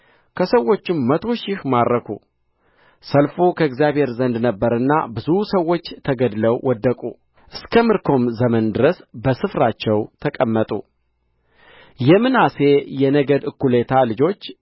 ከሰዎችም መቶ ሺህ ማረኩ ሰልፉ ከእግዚአብሔር ዘንድ ነበረና ብዙ ሰዎች ተገድለው ወደቁ እስከ ምርኮም ዘመን ድረስ በስፍራቸው ተቀመጡ የምናሴ የነገድ እኵሌታ ልጆች